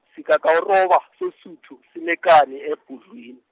Sigagawuroba, soSuthu sinekani ebhudwini.